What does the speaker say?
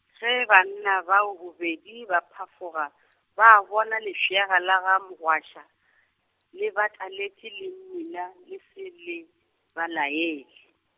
ge banna bao bobedi ba phafoga, ba bona lefšega la ga Mogwaša, le bataletše le mmila le se le, ba laele.